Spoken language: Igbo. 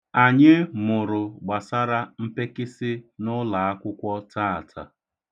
Anyị mụrụ gbasara mpekịsị n'ụlaakwụkwọ taata.